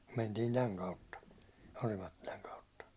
mentiin tämän kautta Orimattilan kautta